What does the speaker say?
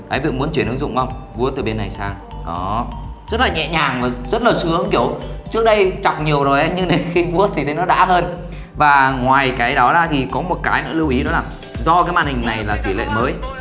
ấy vờ muốn chuyển ứng dụng hông vuốt từ bên này sang ó rất là nhẹ nhàng và rất là sướng kiểu trước đây chọc nhiều rồi ấy nhưng đến khi vuốt thì đây nó đã hơn và ngoài cái đó ra thì có một cái nữa lưu ý là do các màn hình này là tỷ lệ mới